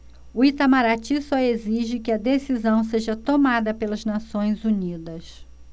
o itamaraty só exige que a decisão seja tomada pelas nações unidas